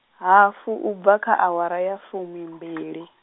hafu u bva kha awara ya fumimbili.